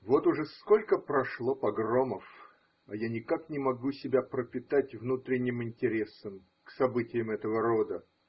. Вот уже сколько прошло погромов, а я никак не могу себя пропитать внутренним интересом к событиям этого рода.